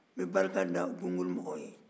n'bɛ barika da n bɔ kolo mɔgɔw ye